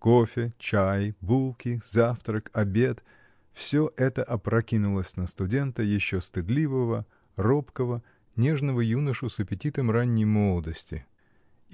Кофе, чай, булки, завтрак, обед — всё это опрокинулось на студента, еще стыдливого, робкого, нежного юношу, с аппетитом ранней молодости